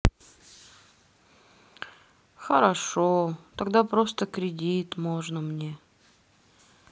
хорошо тогда просто кредит можно мне